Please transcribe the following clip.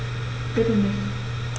Bitte nicht.